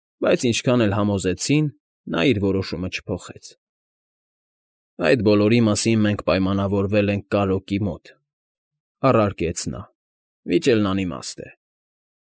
Բայց ինչքան համոզեցին, նա իր որոշումը չփոխեց։ ֊ Այդ բոլորի մասին մենք պայմանավորվել ենք Կարրոկի վրա,֊ առարկեց նա։֊ Վիճելն անիմաստ է։